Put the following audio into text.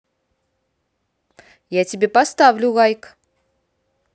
я тебе поставлю лайк